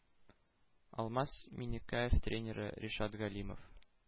Алмаз Миннекәев тренеры – Ришат Галимов